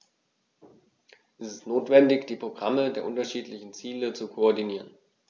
Es ist notwendig, die Programme der unterschiedlichen Ziele zu koordinieren.